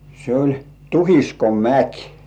se oli Tuhiskomäki